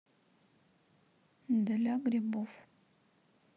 для грибов